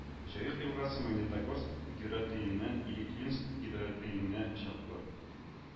Җаек елгасы, Магнитогорск гидротөененнән Ириклинск гидротөененә чаклы